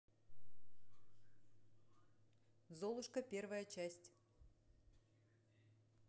золушка первая часть